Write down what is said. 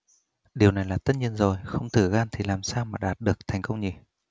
điều này là tất nhiên rồi không thử gan thì làm sao mà đạt được thành công nhỉ